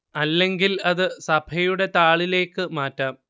അല്ലെങ്കിൽ അത് സഭയുടെ താളിലേക്ക് മാറ്റാം